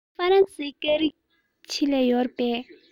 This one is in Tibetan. ཧྥ རན སིའི སྐད ཡིག ཆེད ལས ཡོད རེད པས